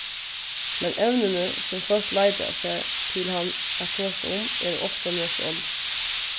men evnini sum fólk leita sær til hann at tosa um eru ofta nøkur onnur